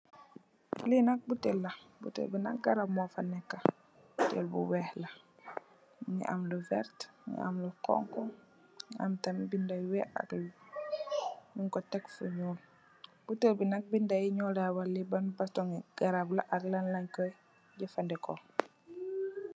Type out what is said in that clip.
Li nak bottèl la bottèl bi nak garap mo fa nekka. Bottèl bu wèèx la mugii am lu werta mugii am lu xonxu, am tamit bindé yu wèèx ak lu ñuul ñing ko tèk fu ñuul. Bottèl bi nak ño lay wax li ban fasungi garap la ak lan lañ koy jafandiko.